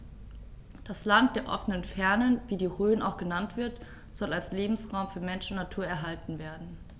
Das „Land der offenen Fernen“, wie die Rhön auch genannt wird, soll als Lebensraum für Mensch und Natur erhalten werden.